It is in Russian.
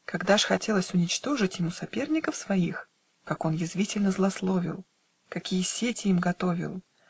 Когда ж хотелось уничтожить Ему соперников своих, Как он язвительно злословил! Какие сети им готовил!